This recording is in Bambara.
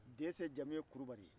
dɛsɛ jamu ye kurubali